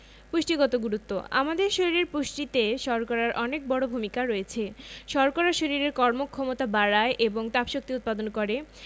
পুষ্টিগত গুরুত্ব আমাদের শরীরের পুষ্টিতে শর্করার অনেক বড় ভূমিকা রয়েছে শর্করা শরীরের কর্মক্ষমতা বাড়ায় এবং তাপশক্তি উৎপাদন করে